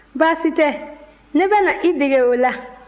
baasi tɛ ne bɛna i dege o la